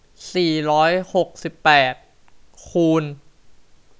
สี่ร้อยหกสิบแปดคูณ